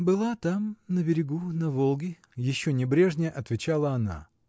— Была там, на берегу, на Волге, — еще небрежнее отвечала она.